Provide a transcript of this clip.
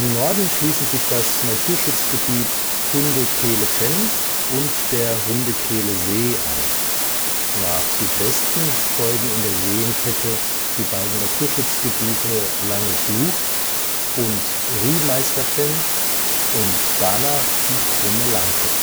Norden schließen sich das Naturschutzgebiet Hundekehlefenn und der Hundekehlesee an, nach Südwesten folgen in der Seenkette die beiden Naturschutzgebiete Langes Luch und Riemeisterfenn und danach die Krumme Lanke